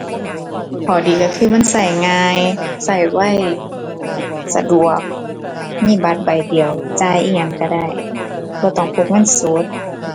ข้อดีก็คือมันก็ง่าย ก็ไว สะดวก มีบัตรใบเดียวจ่ายอิหยังก็ได้ บ่ต้องพกเงินสด